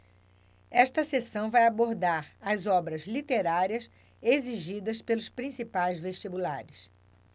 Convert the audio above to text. esta seção vai abordar as obras literárias exigidas pelos principais vestibulares